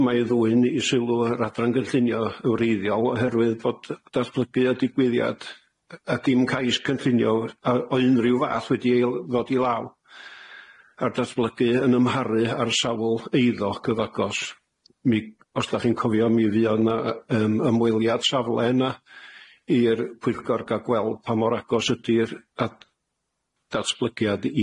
yma ei ddwyn i sylw yr adran gynllunio yn wreiddiol oherwydd bod datblygu a digwyddiad yy a dim cais cynllunio yy o unrhyw fath wedi i ddod i law a'r datblygu yn ymharu â'r sawl eiddo cyddagos, mi os dach chi'n cofio mi fuodd 'na yy yym ymweliad safle na i'r pwyllgor ga'l gweld pa mor agos ydi'r ad- datblygiad